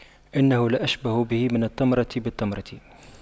إنه لأشبه به من التمرة بالتمرة